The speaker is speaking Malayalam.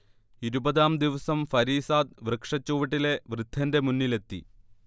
ഇരുപതാം ദിവസം ഫരീസാദ്, വൃക്ഷച്ചുവട്ടിലെ വൃദ്ധന്റെ മുന്നിലെത്തി